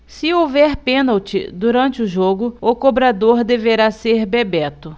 se houver pênalti durante o jogo o cobrador deverá ser bebeto